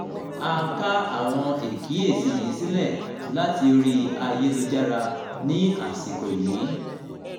A ká àwọn ìkíyèsí yìí sílẹ̀ láti orí ayélujára ní àsìkò yìí.